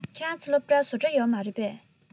ཁྱོད རང ཚོའི སློབ གྲྭར བཟོ གྲྭ ཡོད རེད པས